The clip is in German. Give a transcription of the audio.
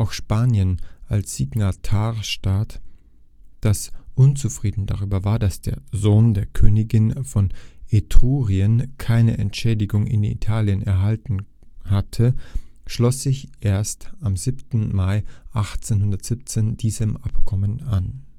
Spanien als Signatarstaat, das unzufrieden darüber war, dass der Sohn der Königin von Etrurien keine Entschädigung in Italien erhalten hatte, schloss sich erst am 7. Mai 1817 diesem Abkommen an